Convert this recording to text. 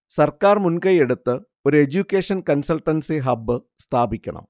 സർക്കാർ മുൻകൈയെടുത്ത് ഒരു എഡ്യൂക്കേഷൻ കൺസൾട്ടൻസി ഹബ് സ്ഥാപിക്കണം